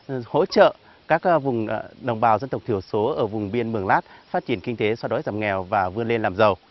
hỗ trợ các vùng đồng bào dân tộc thiểu số ở vùng biên mường lát phát triển kinh tế xóa đói giảm nghèo và vươn lên làm giàu